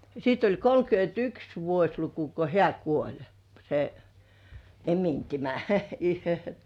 sitten oli kolmekymmentäyksi vuosiluku kun hän kuoli se emintimä